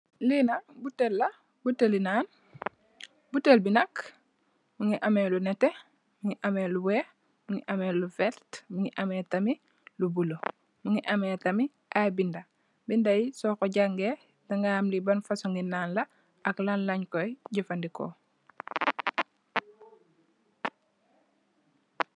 Li nak butèèl la butèèlli naan, butèèl bi nak mugii ameh lu netteh, mugii ameh lu wèèx, mugii ameh lu werta, mugii ameh tamit lu bula, mugii ameh tamit ay bindé. Bindé yi so ko jangèè di ga xam li ban fasungi butèèl la ak lan lañ koy jafandiko.